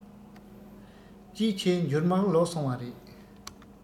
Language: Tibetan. ཅིའི ཕྱིར འགྱུར མར ལོག སོང བ རེད